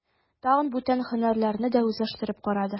Тагын бүтән һөнәрләрне дә үзләштереп карады.